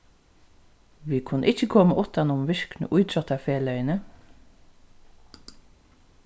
vit kunnu ikki koma uttanum virknu ítróttarfeløgini